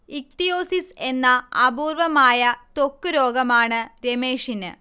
ichthyosis എന്ന അപൂർവമായ ത്വക്ക് രോഗമാണ് രമേഷിന്